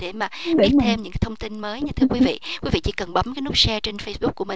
để mà biết thêm những cái thông tin mới nha thưa quý vị quý vị chỉ cần bấm cái nút se trên phây búc của mừn